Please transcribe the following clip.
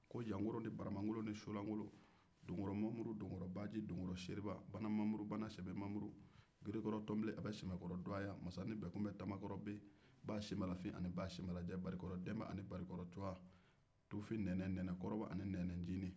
jelikan